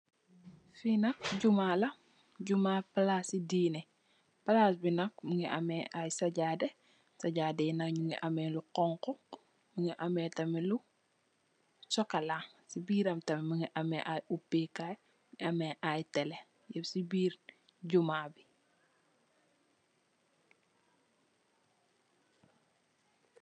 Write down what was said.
Fii nak Jumaa la, Jumaa palaasi dine, palaas bi nk mingi amme ay sajada, sajada yi nak nyingi amme lu xonxu, nyingi amme tamin lu sokola, si biiram tamit mingi am ay opeekaay, amme ay tele yapp si biir Jumaaa bi.